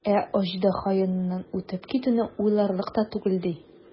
Ә аждаһа яныннан үтеп китүне уйларлык та түгел, ди.